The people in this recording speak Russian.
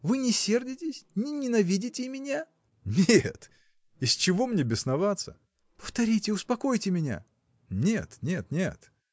вы не сердитесь, не ненавидите меня? – Нет! из чего мне бесноваться? – Повторите, успокойте меня. – Нет, нет, нет.